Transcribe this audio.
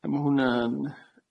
A ma' hwnna yn